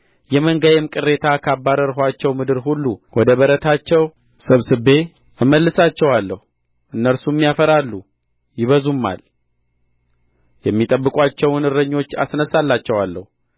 የመንጋዬም ቅሬታ ካባረርኋቸው ምድር ሁሉ ወደ በረታቸው ሰብሰቤ እመልሳቸዋለሁ እነርሱም ያፈራሉ ይበዙማል የሚጠብቋቸውን እረኞች አስነሣላቸዋለሁ